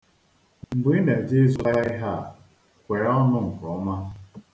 Mgbe ị na-eje ịzụta ihe a, kwee ọnụ nke ọma.